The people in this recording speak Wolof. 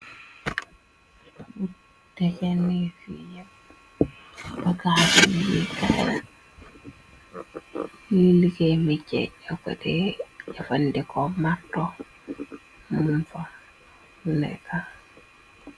Dejenni fiya bakafanbi bara li liggey macje jekkode jafandi ko marto munfaneka.